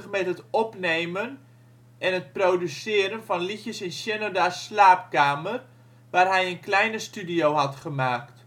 met het opnemen en het produceren van liedjes in Shinoda 's slaapkamer, waar hij een kleine studio had gemaakt. De spanningen